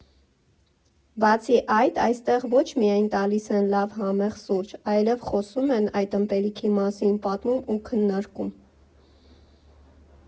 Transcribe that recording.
Բացի այդ, այստեղ ոչ միայն տալիս են լավ համեղ սուրճ, այլև խոսում են այդ ըմպելիքի մասին, պատմում ու քննարկում։